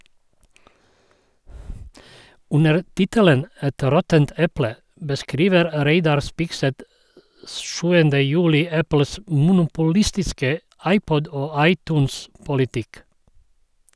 Under tittelen «Et råttent eple» beskriver Reidar Spigseth 7. juli Apples monopolistiske iPod- og iTunes-politikk.